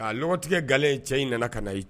Nka dɔgɔtigɛ ga cɛ in nana ka na i